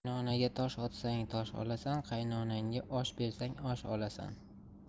qaynonaga tosh otsang tosh olasan qaynonaga osh bersang osh olasan